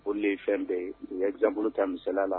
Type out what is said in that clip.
Olu de ye fɛn bɛɛ zan ta mila la